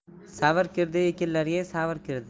savr kirdi ekinlarga davr kirdi